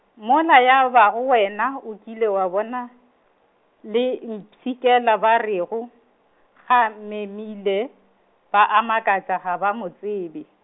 mola ya bago wena o kile wa bona, le mpshikela ba rego, ga memile, ba a makatša ga ba mo tsebe.